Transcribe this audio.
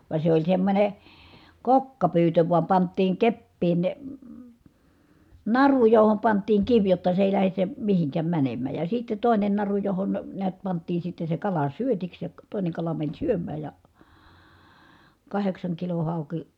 vaan se oli semmoinen kokkapyytö vain pantiin keppiin naru johon pantiin kivi jotta se ei lähde se mihinkään menemään ja sitten toinen naru johon näet pantiin sitten se kala syötiksi ja toinen kala meni syömään ja kahdeksankilon hauki